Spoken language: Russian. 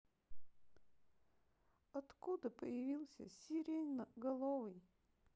откуда появился сиреноголовый